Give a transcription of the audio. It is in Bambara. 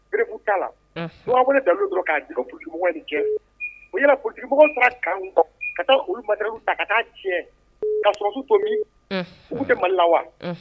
Preuve t'a la , Dɔ bɔ ni dalilu ye dɔrɔn k'a jiran ko pɔltigimɔgɔw ye nin kɛ, ko yala politikimɔgɔw taa la camps _kɔnɔn ka taa olu materiel ta ka taa cɛn ka sɔrasiw to miɲ ? U tun tɛ Mali la wa?